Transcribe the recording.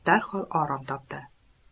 darhol orom topdi